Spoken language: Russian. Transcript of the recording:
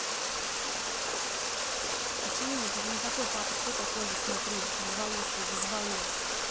почему это же не такой папа кто такой же смотри безволосые без волос